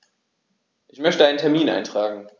Ich möchte einen Termin eintragen.